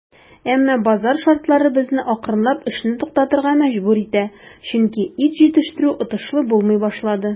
Әмма базар шартлары безне акрынлап эшне туктатырга мәҗбүр итә, чөнки ит җитештерү отышлы булмый башлады.